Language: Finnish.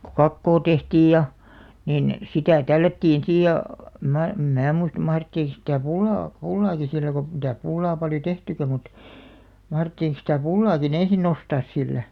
kun kakkoa tehtiin ja niin sitä tällättiin siinä ja en minä en minä muista mahdettiinko sitä pullaa pullaakin sillä kun mitäs pullaa paljon tehtykään mutta mahdettiin sitä pullaakin ensin nostaa sillä